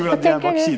hva tenker du?